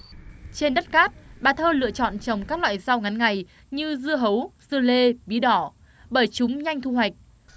trên đất cát bà thơ lựa chọn trồng các loại rau ngắn ngày như dưa hấu dưa lê bí đỏ bởi chúng nhanh thu hoạch